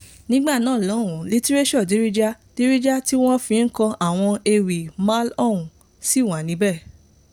Nígbà náà lọ́hùn, litiréṣọ̀ Darija, Darija ti wọ́n fi ń kọ àwọn ewì Malhoun, ṣì wà níbẹ̀.